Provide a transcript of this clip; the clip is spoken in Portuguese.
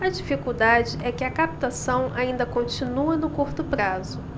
a dificuldade é que a captação ainda continua no curto prazo